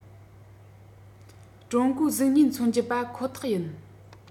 ཀྲུང གོའི གཟུགས བརྙན མཚོན གྱི པ ཁོ ཐག ཡིན